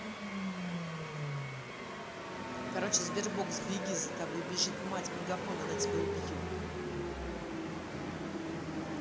короче sberbox беги за тобой бежит мать мегафон она тебя убьет